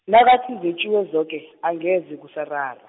nakathi zetjiwe zoke, angeze kusarara.